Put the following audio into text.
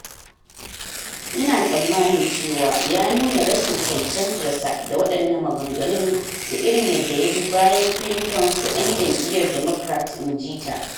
"Ina tsammanin cewa ya nuna rashin cancantar sa da wadannan maganganun da irin yadda ya bi bayan Clintons da yan jam’iyyar Democrat," in ji ta.